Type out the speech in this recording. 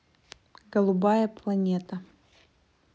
голубая планета